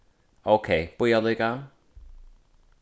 ókey bíða líka